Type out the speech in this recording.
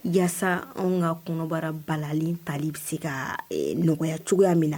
Walasa anw ka kɔnɔbara balalen tali bɛ se ka ɛ ɛ nɔgɔya cogoya min na.